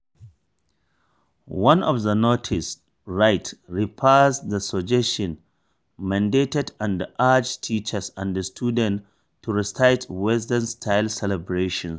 One of the notices (right) refers to the "Suggestions" mandate and urges teachers and students to resist Western style celebrations.